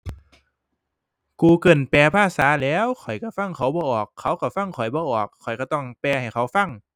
Google แปลภาษาแหล้ว ข้อยก็ฟังเขาบ่ออก เขาก็ฟังข้อยบ่ออก ข้อยก็ต้องแปลให้เขาฟัง